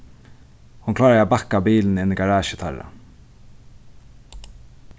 hon kláraði at bakka bilin inn í garasju teirra